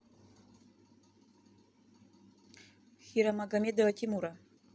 хирамагомедова тимура